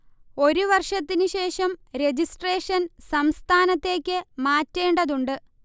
ഒരു വർഷത്തിന് ശേഷം രജിസ്ഷ്രേൻ സംസ്ഥാനത്തേക്ക് മാറ്റേണ്ടതുണ്ട്